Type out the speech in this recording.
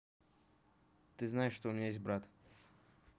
ты знаешь что у меня есть брат